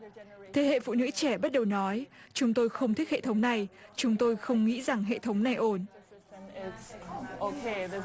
thế hệ phụ nữ trẻ bắt đầu nói chúng tôi không thích hệ thống này chúng tôi không nghĩ rằng hệ thống này ổn ổn